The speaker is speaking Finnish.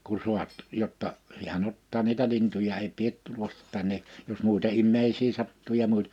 kun saat jotta hän ottaa niitä lintuja ei pidä tulla tänne jos muita ihmisiä sattuu ja -